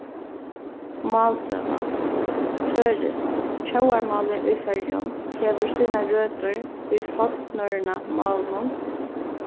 málsøga føroyskt tjóðarmálið í føroyum hevur sínar røtur í fornnorrøna málinum